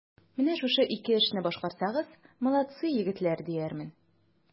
Менә шушы ике эшне башкарсагыз, молодцы, егетләр, диярмен.